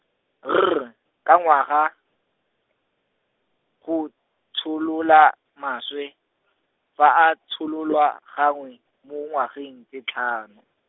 R, ka ngwaga, go, tsholola, maswe , fa a tshololwa gangwe, mo ngwageng tse tlhano.